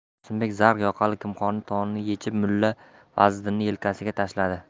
qosimbek zar yoqali kimxob to'nini yechib mulla fazliddinning yelkasiga tashladi